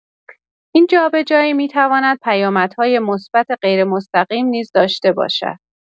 این جابه‌جایی می‌تواند پیامدهای مثبت غیرمستقیم نیز داشته باشد.